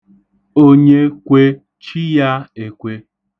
Onye kwe, chi ya ekwe.